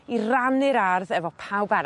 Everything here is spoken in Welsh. i rannu'r ardd efo pawb arall.